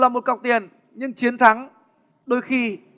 là một cọc tiền nhưng chiến thắng đôi khi